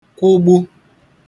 kwụgbu